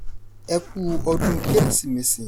Ẹ kú ọdún Kérésìmesì!